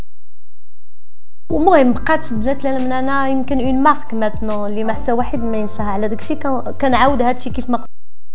امين بقتل لمن انا يمكن واحد من ساعه كان عوده